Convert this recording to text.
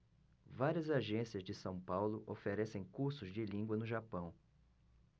várias agências de são paulo oferecem cursos de língua no japão